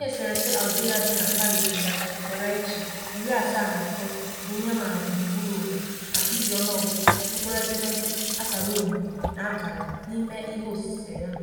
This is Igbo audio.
Onye eserese Algerịa bi na Paris bụ Rachid Koraichi, 73, bụ onye a maara gburugburu ụwa maka iji ọnụọgụgụ, mkpụrụedemede, akara omimi na akara n'ime ihe osise ya.